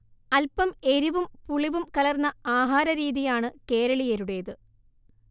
അല്പം എരിവും പുളിവും കലർന്ന ആഹാരരീതിയാണ് കേരളീയരുടേത്